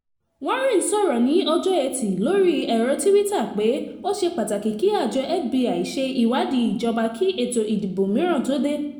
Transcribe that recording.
Warren sọ̀rọ̀ ní ọjọ́ ẹtì lórí ẹ̀rọ tíwítà pé ó ṣe pàtàkì kí àjọ FBI ṣe ìwádìí ìjọba kí ètò ìdìbò mìíràn tó dé."